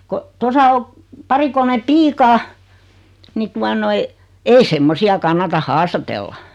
kun tuossa on pari kolme piikaa niin tuota noin ei semmoisia kannata haastatella